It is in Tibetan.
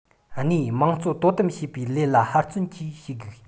གཉིས དམངས གཙོས དོ དམ བྱེད པའི ལས ལ ཧུར བརྩོན གྱིས ཞུགས དགོས